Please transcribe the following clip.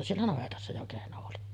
siellä navetassa jo kehno oli